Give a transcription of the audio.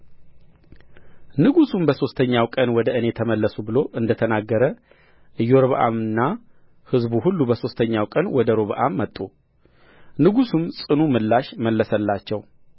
ንጉሡም በሦስተኛው ቀን ወደ እኔ ተመለሱ ብሎ እንደ ተናገረ ኢዮርብዓምና ሕዝቡ ሁሉ በሦስተኛው ቀን ወደ ሮብዓም መጡ ንጉሡም ጽኑ ምላሽ መለሰላቸው